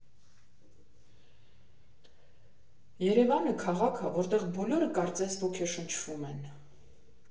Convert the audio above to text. Երևանը քաղաք ա, որտեղ բոլորը կարծես ոգեշնչվում են։